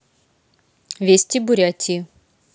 вести бурятии